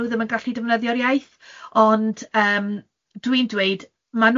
nhw ddim yn gallu defnyddio'r iaith, ond yym dwi'n dweud ma'